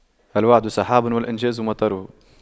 الوعد سحاب والإنجاز مطره